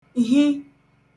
hi